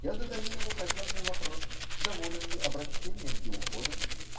Я задаю ему казенный вопрос: доволен ли обращением и уходом?